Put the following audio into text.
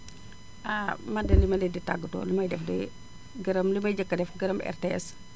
man de li ma leen di tàggatoo li may def dee gërëm li may njëkk def gërëm RTS